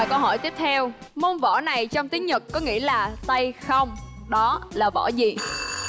và câu hỏi tiếp theo môn võ này trong tiếng nhật có nghĩ là tây không đó là võ gì